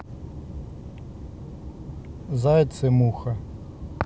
заяц и муха